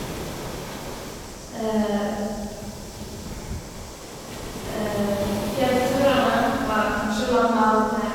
Fjellturene var kanskje lange av og til.